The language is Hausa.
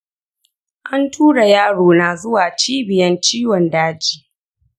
an tura yaro na zuwa cibiyan ciwon daji.